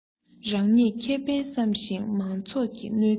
རང ཉིད ཁེ ཕན བསམ ཞིང མང ཚོགས ཀྱི གནོད ཚེ